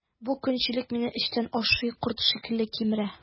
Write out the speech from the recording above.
Бу көнчелек мине эчтән ашый, корт шикелле кимерә.